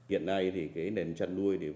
hiện nay cái nền chăn nuôi thì